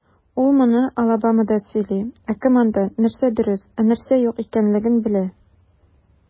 Ул моны Алабамада сөйли, ә кем анда, нәрсә дөрес, ә нәрсә юк икәнлеген белә?